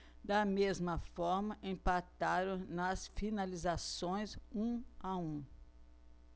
da mesma forma empataram nas finalizações um a um